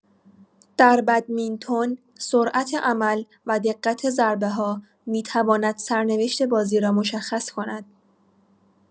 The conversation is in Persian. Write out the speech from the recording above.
در بدمینتون، سرعت عمل و دقت ضربه‌ها می‌تواند سرنوشت بازی را مشخص کند.